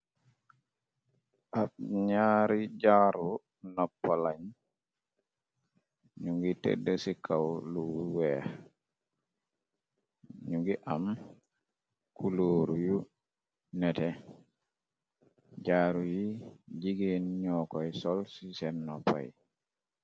Ab ñaari jaaru noppa lañ, ñu ngi tëdd ci kaw lu weex, ñu ngi am kulooru yu nete, jaaru yi jigéen ñoo koy sol ci seen noppayi.